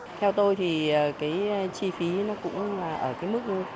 theo tôi thì cái chi phí nó cũng